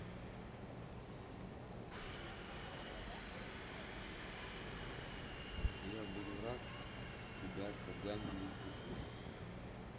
я буду рад тебя когда нибудь услышать